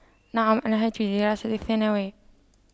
نعم انهيت دراستي الثانوية